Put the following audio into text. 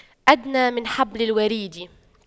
أدنى من حبل الوريد